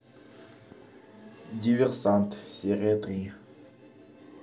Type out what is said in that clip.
диверсант серия три